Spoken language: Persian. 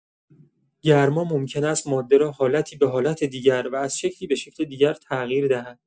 گرما ممکن است ماده را حالتی به حالت دیگر، و از شکلی به شکل دیگر تغییر دهد.